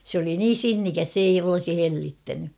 se oli niin sinnikäs se ei olisi hellittänyt